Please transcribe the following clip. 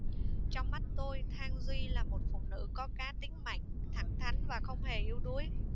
trong mắt tôi thang duy là một phụ nữ có cá tính mạnh thẳng thắn và không hề yếu đuối